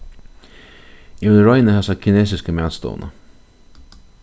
eg vil royna hasa kinesisku matstovuna